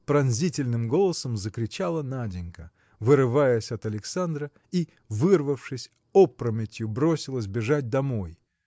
– пронзительным голосом закричала Наденька вырываясь от Александра и вырвавшись опрометью бросилась бежать домой.